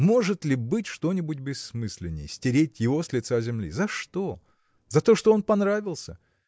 может ли быть что-нибудь бессмысленней – стереть его с лица земли! за что? за то, что он понравился!